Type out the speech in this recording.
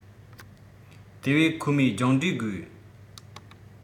དེ བས ཁོ མོའི སྦྱངས འབྲས དགོས